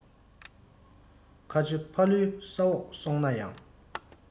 ཁ ཆེ ཕ ལུ ས འོག སོང ན ཡང